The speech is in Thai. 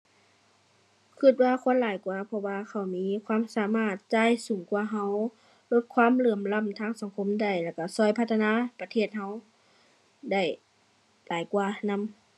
คิดว่าคนหลายกว่า เพราะว่าเขามีความสามารถจ่ายสูงกว่าคิด ลดความเหลื่อมล้ำทางสังคมได้แล้วคิดคิดพัฒนาประเทศคิดได้หลายกว่านำ